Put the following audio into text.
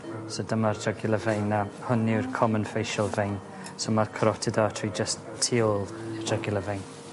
So dyma'r jugular vein a hwn yw'r common facial vein so ma'r caroted artery jyst tu ôl i'r jugular vein